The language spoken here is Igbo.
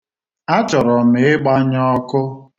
Achọrọ m ịgbanye ọkụ.